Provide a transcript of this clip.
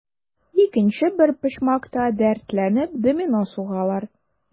Икенче бер почмакта, дәртләнеп, домино сугалар.